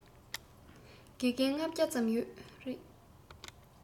དགེ རྒན ༥༠༠ ཙམ ཡོད རེད